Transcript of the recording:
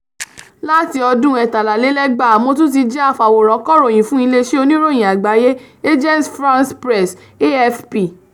Láti ọdún 2013, mo tún ti jẹ́ afàwòránkọ̀ròyìn fún ilé-iṣẹ́ oníròyìn àgbáyé, Agence France Presse (AFP).